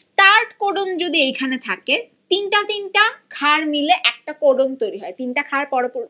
start codon যদি এইখানে থাকে তিনটা তিনটা ক্ষার মিলে একটা কোডন তৈরি হয় ৩ টা ক্ষার পর পর